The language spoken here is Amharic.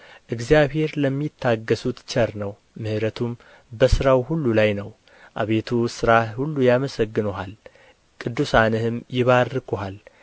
እግዚአብሔር ለሚታገሡት ቸር ነው ምሕረቱም በሥራው ሁሉ ላይ ነው አቤቱ ሥራህ ሁሉ ያመሰግኑሃል ቅዱሳንህም ይባርኩሃል